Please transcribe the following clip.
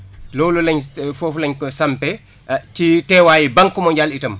loolu lañ foofa lañ ko sampee ci teewaay Banque Mondiale it